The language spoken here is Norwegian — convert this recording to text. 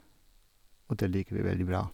Og det liker vi veldig bra.